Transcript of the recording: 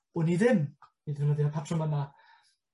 Wn i ddim i ddefnyddio'r patrwm yna.